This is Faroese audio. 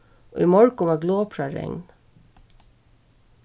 í morgun var glopraregn